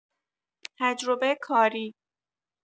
تجربه کاری